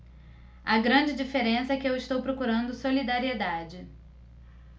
a grande diferença é que eu estou procurando solidariedade